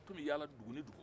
u tun bɛ yala dugu ni dugu